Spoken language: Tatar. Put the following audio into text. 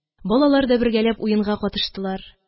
Балалар да бергәләп уенга катыштылар